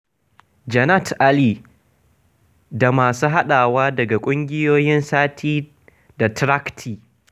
Jannat Ali tare da masu haɗawa daga ƙungiyoyin Sathi da Tract-T.